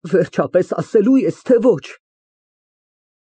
Վերջապես, ասելո՞ւ ես, թե ոչ։